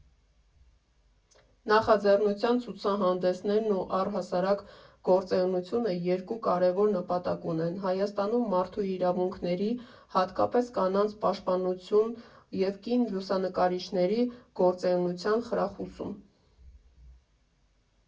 Նախաձեռնության ցուցահանդեսներն ու, առհասարակ, գործունեությունը երկու կարևոր նպատակ ունեն՝ Հայաստանում մարդու իրավունքների, հատկապես՝ կանանց, պաշտպանություն և կին լուսանկարիչների գործունեության խրախուսում։